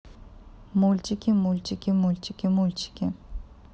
мультики мультики мультики мультики